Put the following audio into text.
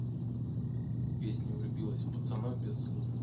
песня влюбилась в пацана без слов